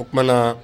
O tuma na